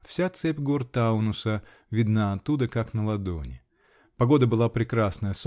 Вся цепь гор Таунуса видна оттуда, как на ладони. Погода была прекрасная